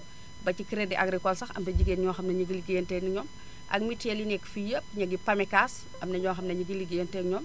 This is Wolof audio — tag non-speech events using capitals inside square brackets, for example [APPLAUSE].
ba ci crédit agricole sax [NOISE] am na jigéen ñoo xam ne ñu ngi ligéeyanteeg ak ñoom ak mutuel yi nekk fii yëpp ñu ngi Pamecas [NOISE] am na ñoo xam ne ñu ngi ligéeyanteeg ñoom